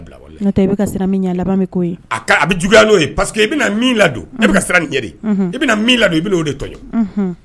Paseke ladon i bɛ siran nin i bɛ la don i bɛ'o de tɔ ye